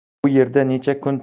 bu yerda necha